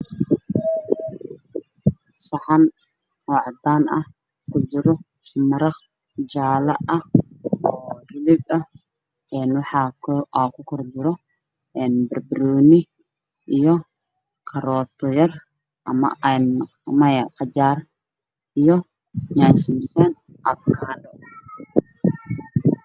Waa saxan cadaan ah waxaa kujiro maraq jaale ah oo hilib ah waxaa kujiro barbanooni iyo karooto yar, qajaar, yaanyo simisaam iyo afakaadho.